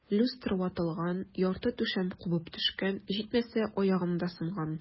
Люстра ватылган, ярты түшәм кубып төшкән, җитмәсә, аягым да сынган.